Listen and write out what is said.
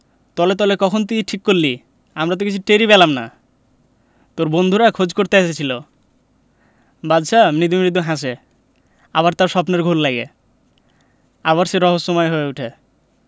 তলে তলে কখন তুই ঠিক করলি আমরা কিচ্ছু টের পেলাম না তোর বন্ধুরা খোঁজ করতে এসেছিলো বাদশা মৃদু মৃদু হাসে আবার তার স্বপ্নের ঘোর লাগে আবার সে রহস্যময় হয়ে উঠে